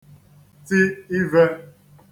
ti ivē